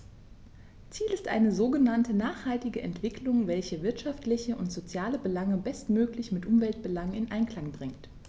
Ziel ist eine sogenannte nachhaltige Entwicklung, welche wirtschaftliche und soziale Belange bestmöglich mit Umweltbelangen in Einklang bringt.